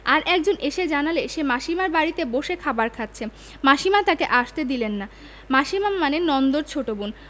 আর একজন এসে জানালে সে মাসীমার বাড়িতে বসে খাবার খাচ্ছে মাসীমা তাকে আসতে দিলেন নামাসিমা মানে নন্দর ছোট বোন